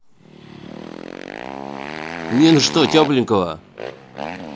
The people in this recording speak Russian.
не ну что тепленького